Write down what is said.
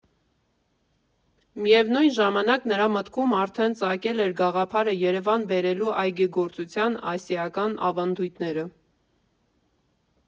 Միևնույն ժամանակ, նրա մտքում արդեն ծագել էր գաղափարը Երևան բերելու այգեգործության ասիական ավանդույթները.